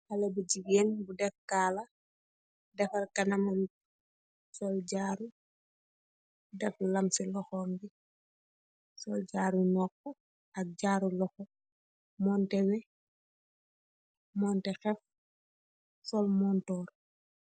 Haleh bu jigeen bu tek cala defarr canamam b deff kala sol jaaru teg lam si lohom bi sool jaaru noppa ak jaaru loho monteh wee monteh xeff sool monturr.